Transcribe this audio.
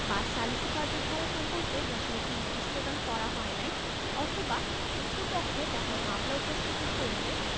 বা সালিসী কার্যধারা সম্পর্কে যথাযথ নোটিশ প্রদান করা হয় নাই অথবা উক্ত পক্ষ তাহার মামলা উপস্থাপন করিতে